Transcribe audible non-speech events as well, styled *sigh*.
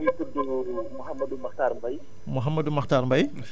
man maa ngi tudd *hesitation* Mouhamadou Makhtar Mbaye